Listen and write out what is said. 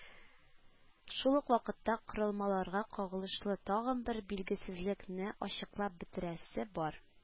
Шул ук вакытта корылмаларга кагылышлы тагын бер "билгесезлек"не ачыклап бетерәсе бар